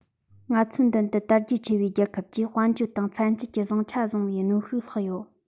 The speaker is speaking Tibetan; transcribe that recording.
ང ཚོའི མདུན དུ དར རྒྱས ཆེ བའི རྒྱལ ཁབ ཀྱིས དཔལ འབྱོར དང ཚན རྩལ གྱི བཟང ཆ བཟུང བའི གནོན ཤུགས ལྷགས ཡོད